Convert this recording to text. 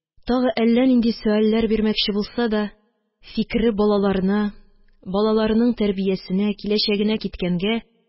Тагы әллә нинди сөальләр бирмәкче булса да, фикере балаларына, балаларының тәрбиясенә, киләчәгенә киткәнгә